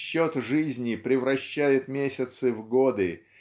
счет жизни превращает месяцы в годы